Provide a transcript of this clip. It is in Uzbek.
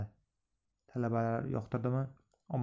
talabalar yoqtirdimi